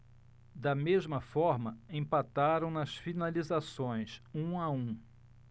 da mesma forma empataram nas finalizações um a um